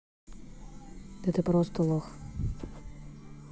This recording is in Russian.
да ты просто лох